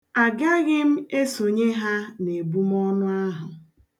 Agaghị m esonye ha na ebumọnụ ahụ.